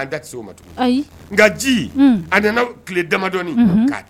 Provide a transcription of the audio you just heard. an date se o ma tuguni nka ji a nana tile damadɔi ka